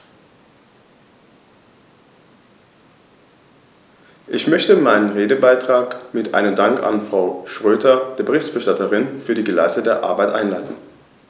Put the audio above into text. Ich möchte meinen Redebeitrag mit einem Dank an Frau Schroedter, der Berichterstatterin, für die geleistete Arbeit einleiten.